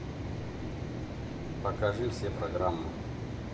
покажи все программы